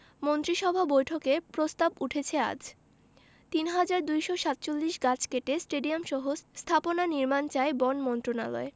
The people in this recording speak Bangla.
মন্ত্রিসভা বৈঠকে প্রস্তাব উঠছে আজ ৩২৪৭ গাছ কেটে স্টেডিয়ামসহ স্থাপনা নির্মাণ চায় বন মন্ত্রণালয়